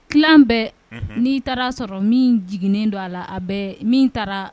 Ki bɛɛ n'i taara sɔrɔ min jiginignen don a la a bɛɛ min taara